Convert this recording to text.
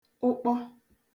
ụkpọ